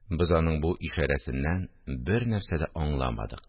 Без аның бу ишарәсеннән бер нәрсә дә аңламадык